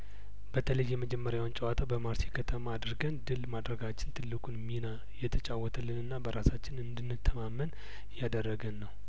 በተለይ የመጀመሪያውን ጨዋታ በማርሴይ ከተማ አድርገን ድል ማድረጋችን ትልቁን ሚና የተጫወተልንና በራሳችን እንድንተማመን ያደረገን ነው